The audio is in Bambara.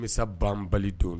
Misa ban bali don